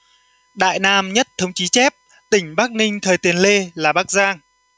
đại nam nhất thống chí chép tỉnh bắc ninh thời tiền lê là bắc giang